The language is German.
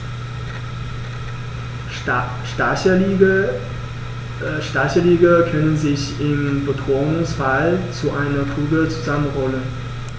Stacheligel können sich im Bedrohungsfall zu einer Kugel zusammenrollen.